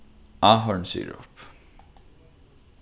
ahornsirop